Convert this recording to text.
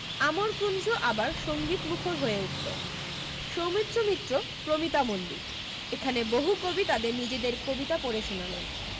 আমরকূঞ্জ আবার সংগীতমুখর হয়ে উঠল সৌমিত্র মিত্র প্রমিতা মল্লিক এখানে বহু কবি তাদের নিজেদের কবিতা পড়ে শোনালেন